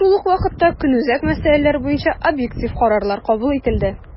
Шул ук вакытта, көнүзәк мәсьәләләр буенча объектив карарлар кабул ителде.